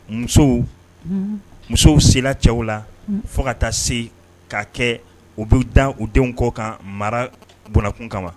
Musow musow sera cɛw la fo ka taa se ka kɛ u bu da u denw kɔ kan mara bɔnakun kama